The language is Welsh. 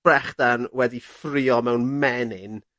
brechdan wedi ffrio mewn menyn